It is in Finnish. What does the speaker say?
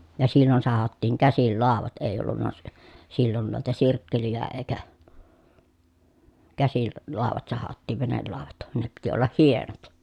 ja silloin sahattiin käsillä laudat ei ollut - silloin noita sirkkeleitä eikä käsillä - laudat sahattiin venelaudat ne piti olla hienot